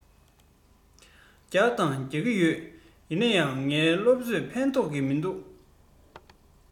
རྒྱག དང རྒྱག གི ཡོད ཡིན ནའི ངའི སློབ གསོས ཕན ཐོགས ཀྱི མི འདུག